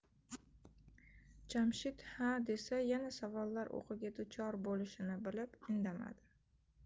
jamshid ha desa yana savollar o'qiga duchor bo'lishini bilib indamadi